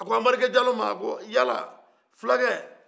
a ko anbarike jalo a ko yala filakɛ